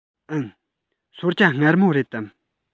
འུན གསོལ ཇ མངར མོ རེད དམ